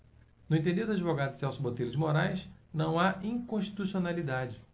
no entender do advogado celso botelho de moraes não há inconstitucionalidade